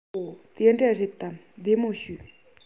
འོ དེ འདྲ རེད དམ བདེ མོ བྱོས